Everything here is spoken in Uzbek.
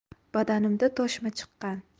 badanimda toshma chiqqan